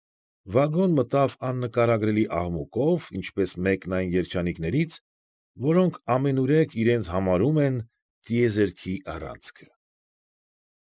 Վագոն մտավ աննկարագրելի աղմուկով, ինչպես մեկն այն երջանիկներից, որոնք ամենուրեք իրենց համարում են տիեզերքի առանցքը։